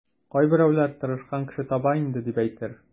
Кайберәүләр тырышкан кеше таба инде, дип әйтер.